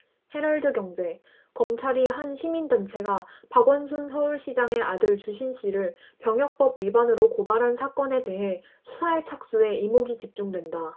헤럴드경제 검찰이 한 시민단체가 박원순 서울시장의 아들 주신 씨를 병역법 위반으로 고발한 사건에 대해 수사에 착수해 이목이 집중된다